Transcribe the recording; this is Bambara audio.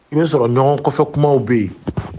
I' sɔrɔ ɲɔgɔn kɔfɛ kumaw bɛ yen